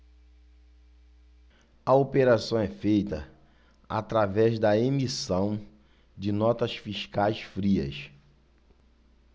a operação é feita através da emissão de notas fiscais frias